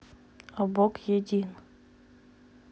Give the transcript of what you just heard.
а бог един